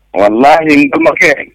Walahi n balimakɛ.